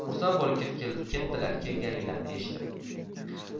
xursand bo'lib ketdilar kelganingizni eshitib